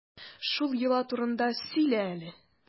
Шул йола турында сөйлә әле.